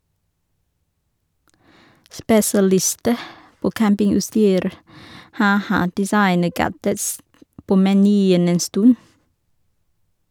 Spesialister på campingutstyr har hatt designergadgets på menyen en stund.